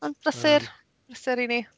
Ond brysur. Brysur 'y ni.